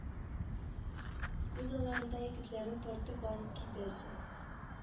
Күз алларында егетләрен тартып алып китәсең